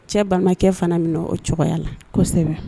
Cɛ bamanankɛ fana min na o cogoya la kosɛbɛ